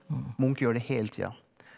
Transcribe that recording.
Munch gjør det hele tida.